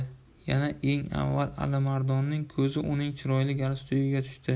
yana eng avval alimardonning ko'zi uning chiroyli galstugiga tushdi